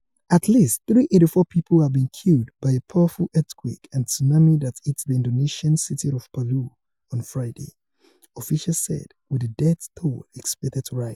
At least 384 people have been killed by a powerful earthquake and tsunami that hit the Indonesian city of Palu on Friday, officials said, with the death toll expected to rise.